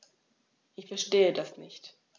Ich verstehe das nicht.